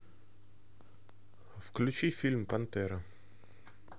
включи фильм пантера